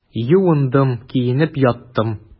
Юындым, киенеп яттым.